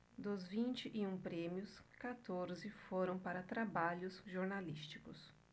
dos vinte e um prêmios quatorze foram para trabalhos jornalísticos